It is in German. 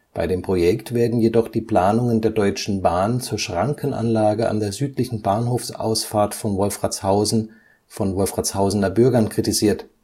Bei dem Projekt werden jedoch die Planungen der Deutschen Bahn zur Schrankenanlage an der südlichen Bahnhofsausfahrt von Wolfratshausen von Wolfratshausener Bürgern kritisiert